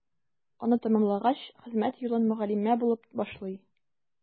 Аны тәмамлагач, хезмәт юлын мөгаллимә булып башлый.